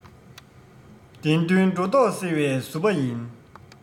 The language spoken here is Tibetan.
བདེན དོན སྒྲོ འདོག སེལ བའི གཟུ པ ཡིན